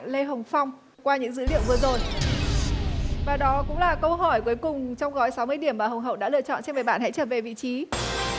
lê hồng phong qua những dữ liệu vừa rồi và đó cũng là câu hỏi cuối cùng trong gói sáu mươi điểm mà bạn hùng hậu đã lựa chọn xin mời bạn trở về vị trí